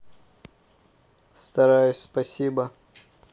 стараюсь спасибо